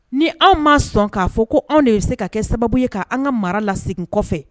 Ni anw m ma sɔn k'a fɔ ko anw de ye bɛ se ka kɛ sababu ye k'an ka mara lase kɔfɛ